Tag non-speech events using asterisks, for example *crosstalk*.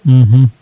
*hesitation* *hesitation*